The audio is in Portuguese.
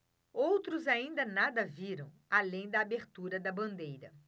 outros ainda nada viram além da abertura da bandeira